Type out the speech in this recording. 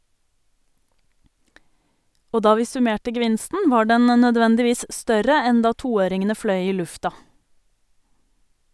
Og da vi summerte gevinsten var den nødvendigvis større enn da toøringene fløy i lufta.